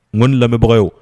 Ŋɔni lamɛnbagaw ye